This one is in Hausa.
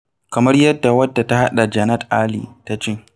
Kamar yadda wadda ta haɗa Jannat Ali ta ce: